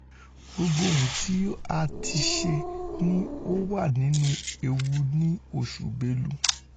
'Gbogbo ohun tí a tíṣe ní ó wà nínú ewu ní oṣù Bélú.